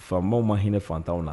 Faamaw ma hinɛ fantanw na